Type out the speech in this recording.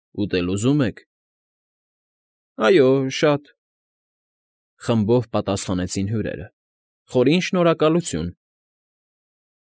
Ուտել ուզո՞ւմ եք։ ֊ Այո, շատ,֊ խմբով պատասխանեցին հյուրերը։֊ Խորին շնորհակալություն։